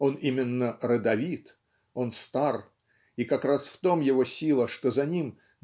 он именно родовит, он стар, и как раз в том его сила, что за-ним